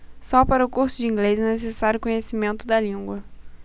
só para o curso de inglês é necessário conhecimento da língua